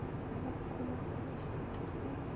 zavod qurilayotganini eshitgandirsan